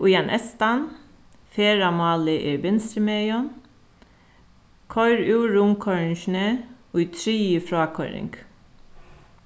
í ein eystan ferðamálið er vinstrumegin koyr úr rundkoyringini í triðju frákoyring